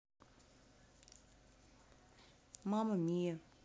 мама мия